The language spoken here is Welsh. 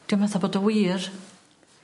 'Di o'm fatha bod o wir.